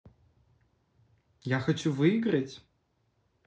я хочу выиграть